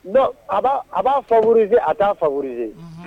Bon a b'a favoirisé a t'a favorisé